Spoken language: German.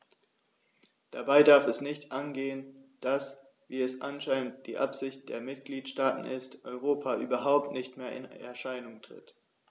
Dabei darf es nicht angehen, dass - wie es anscheinend die Absicht der Mitgliedsstaaten ist - Europa überhaupt nicht mehr in Erscheinung tritt.